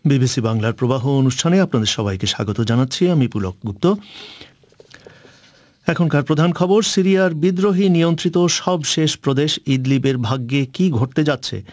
BBC বাংলার প্রবাহ অনুষ্ঠানে আপনাদের সবাইকে স্বাগত জানাচ্ছি আমি পুলক গুপ্ত এখনকার প্রধান খবর সিরিয়ার বিদ্রোহী নিয়ন্ত্রিত সবশেষ প্রদেশ ইদলিবের ভাগ্যে কী ঘটতে যাচ্ছে